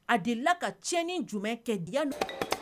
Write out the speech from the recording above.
A delila ka cɛni jumɛn kɛ? Yani